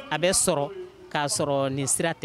A bɛ sɔrɔ k'a sɔrɔ nin sira tɛ